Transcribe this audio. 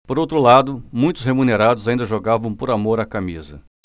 por outro lado muitos remunerados ainda jogavam por amor à camisa